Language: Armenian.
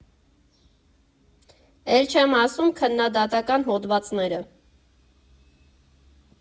Էլ չեմ ասում քննադատական հոդվածները։